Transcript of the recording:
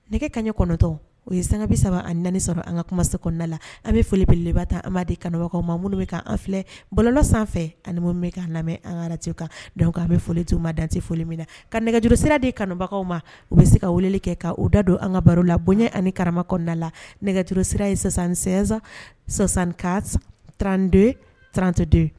Nɛgɛ kaɲɛ kɔnɔntɔn o ye sanbi saba anani sɔrɔ an ka kuma seda la an bɛ folibeleba taa an' di kanubaga ma minnu bɛ an filɛ balona sanfɛ ani bɛa lamɛn an karati kan da'a bɛ foli' ma dante foli min na ka nɛgɛjurusira de kanubaga ma u bɛ se ka weleli kɛ ka o da don an ka baro la bonya ani karama kɔnda la nɛgɛro sirasan san sɔsan ka trante trantedenw